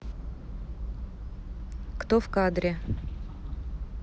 кто в кадре